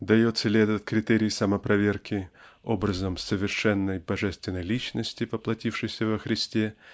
дается ли этот критерий самопроверки образом совершенной Божественной личности воплотившейся во Христе